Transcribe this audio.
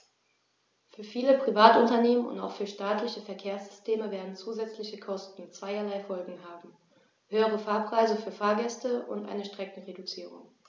Für viele Privatunternehmen und auch für staatliche Verkehrssysteme werden zusätzliche Kosten zweierlei Folgen haben: höhere Fahrpreise für Fahrgäste und eine Streckenreduzierung.